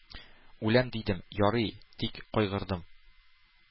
Үләм, дидем, ярый, тик кайгырдым,